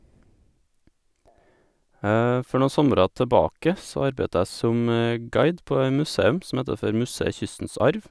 For noen sommere tilbake så arbeidde jeg som guide på et museum som heter for Museet Kystens Arv.